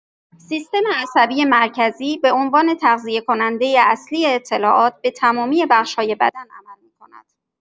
سیستم عصبی مرکزی به‌عنوان تغذیه‌کننده اصلی اطلاعات به تمامی بخش‌های بدن عمل می‌کند.